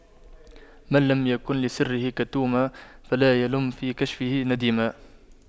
من لم يكن لسره كتوما فلا يلم في كشفه نديما